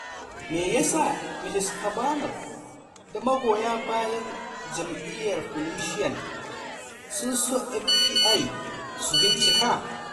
Me yasa Mr Kavanaugh da magoya bayan jam'iyyar Republican sun so FBI su bincika?